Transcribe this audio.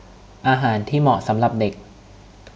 อาหารที่เหมาะสำหรับเด็ก